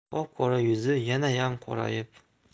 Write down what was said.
qop qora yuzi yanayam qorayib